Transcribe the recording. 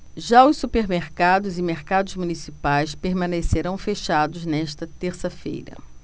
já os supermercados e mercados municipais permanecerão fechados nesta terça-feira